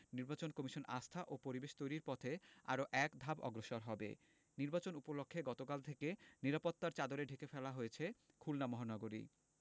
নির্বাচন কমিশন আস্থা ও পরিবেশ তৈরির পথে আরো একধাপ অগ্রসর হবে নির্বাচন উপলক্ষে গতকাল থেকে নিরাপত্তার চাদরে ঢেকে ফেলা হয়েছে খুলনা মহানগরী